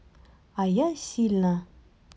а я сильно